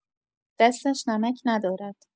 دستش نمک ندارد